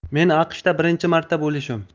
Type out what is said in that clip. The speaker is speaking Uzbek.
men aqshda birinchi marta bo'lishim